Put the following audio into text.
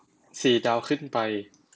สี่ดาวขึ้นไป